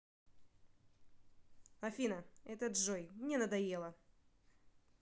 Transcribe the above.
афина это джой мне надоело